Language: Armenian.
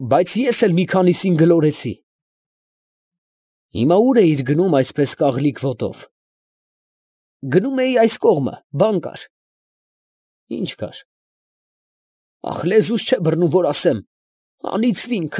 Բայց ես էլ մի քանիսին գլորեցի… ֊ Հիմա ո՞ւր էիր գնում այսպես կաղլիկ ոտով։ ֊ Գնում էի այս կողմը… բան կար… ֊ Ի՞նչ կար։ ֊ Ա՜խ, լեզուս չէ բռնում, որ ասեմ… անիծվի՜ն։